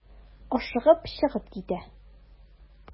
Ашыгып чыгып китә.